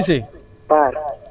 Dame Cissé Paar